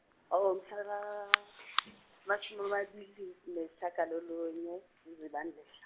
oh umhla ka, mashumi amabili nesishagalolunye, uZibandlela.